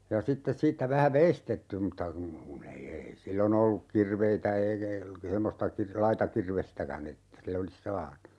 ja sitten siitä vähän veistetty mutta kun kun ei ei silloin ollut kirveitä eikä semmoista - laita kirvestäkään että sillä olisi saanut